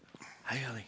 hei Erling.